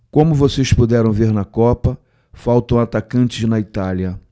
como vocês puderam ver na copa faltam atacantes na itália